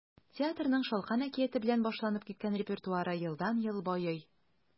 Театрның “Шалкан” әкияте белән башланып киткән репертуары елдан-ел байый.